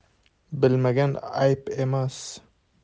bilmagan ayb emas